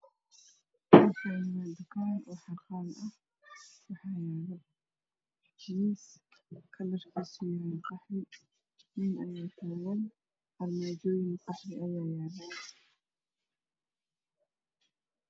Waxa yaalovmiiskalarkiisu yahay nin ayaataagan